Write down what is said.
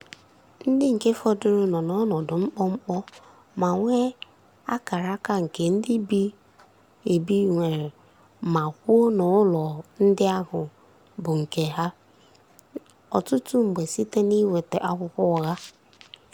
Ndị nke fọdụru nọ n'ọnọdụ mkpọmkpọ ma nwee akaraka nke ndị bi ebi iwere ma kwuo n'ụlọ ndị ahụ bụ nke ha (ọtụtụ mgbe site n'iweta akwụkwọ ụgha).